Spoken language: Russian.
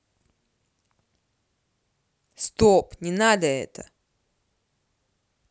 стоп не надо это